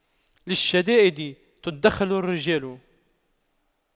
للشدائد تُدَّخَرُ الرجال